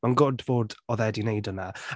Mae’n good fod… oedd e 'di wneud hwnna.